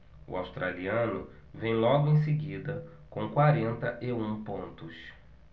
o australiano vem logo em seguida com quarenta e um pontos